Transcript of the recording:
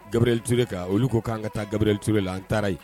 Gabirilitiurere kan olu ko k'an ka taa gabirilitiurere la an taara yen